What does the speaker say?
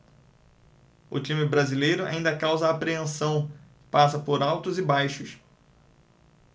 o time brasileiro ainda causa apreensão passa por altos e baixos